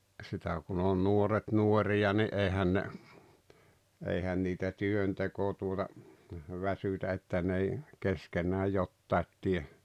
sitä kun on nuoret nuoria niin eihän ne eihän niitä työnteko tuota väsytä että ne ei keskenään jotakin tee